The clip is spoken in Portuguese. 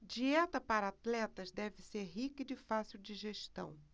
dieta para atletas deve ser rica e de fácil digestão